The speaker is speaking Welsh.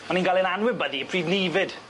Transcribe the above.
O'n ni'n ga'l ein anwybyddi y pryd 'ny 'fyd.